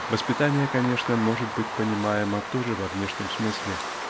Воспитание, конечно, может быть понимаемо тоже во внешнем смысле.